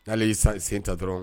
N'ale y'i sen ta dɔrɔn